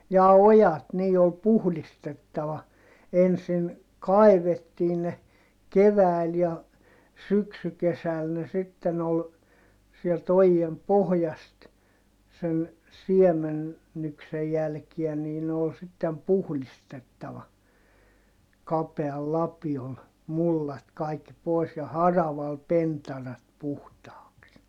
jaa ojat niin oli puhdistettava ensin kaivettiin ne keväällä ja syksykesällä ne sitten oli sieltä ojien pohjasta sen siemennyksen jälkiä niin ne oli sitten puhdistettava kapealla lapiolla mullat kaikki pois ja haravalla pentarat puhtaaksi